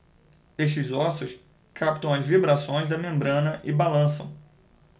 estes ossos captam as vibrações da membrana e balançam